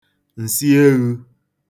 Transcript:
ǹsị eghū